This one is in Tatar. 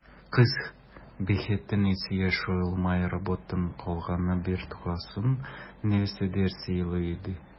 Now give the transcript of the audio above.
Кыз, бәхетенә сыеша алмый, роботның колагына бертуктаусыз нәрсәдер сөйли иде.